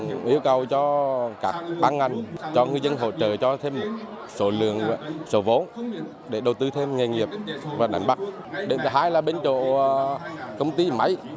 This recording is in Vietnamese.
những yêu cầu cho các ban ngành cho ngư dân hỗ trợ cho thêm số lượng số vốn để đầu tư thêm nghề nghiệp và nắm bắt được thứ hai là bên chỗ công ty may